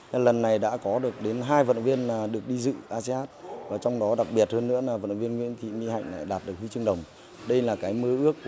lần này đã có được đến hai vận động viên là được đi dự a si át và trong đó đặc biệt hơn nữa là vận động viên nguyễn thị mỹ hạnh đã đạt được huy chương đồng đây là cái mơ ước của